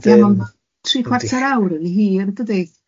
Wedyn. Ie ma ma tri chwarter awr yn hir yndydi?